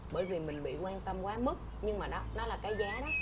bởi vì mừn bị goan tâm quá mức nhưng mà đó nó là cái giá đó